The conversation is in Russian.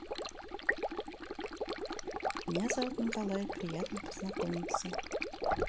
меня зовут николай приятно познакомиться